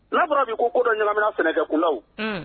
Lara' ko dɔ ɲamina fkunlaw